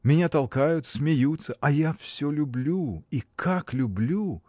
Меня толкают, смеются — а я всё люблю, и как люблю!